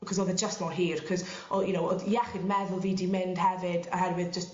'c'os o'dd e jyst mor hir 'c'os o you know o'dd iechyd meddwl fi 'di mynd hefyd oherwydd jyst